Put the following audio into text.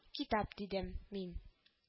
Китап,— дидем мин